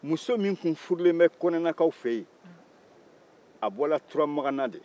muso min tun furulen bɛ kɔnɛlakaw fɛ yen a bɔra turamakan na de